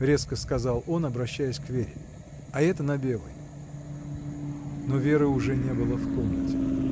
— резко сказал он, обращаясь к Вере, — а это на белой. Но Веры уж не было в комнате.